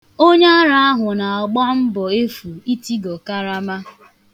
Onyeara ahụ na-agba mbọ efu itigọ karama.